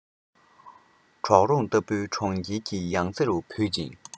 བྲག རོང ལྟ བུའི གྲོང ཁྱེར གྱི ཡང རྩེ རུ བུད ཅིང